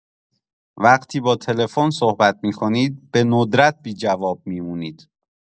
وقتی با تلفن صحبت می‌کنید به‌ندرت بی‌جواب می‌مونید.